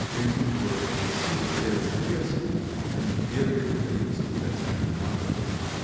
Привезут в город апельсины, появятся персики — они первые подаются у Татьяны Марковны.